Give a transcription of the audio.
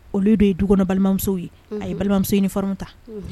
Olu de ye du kɔnɔ balimamuso ye a ye balimamuso fana ta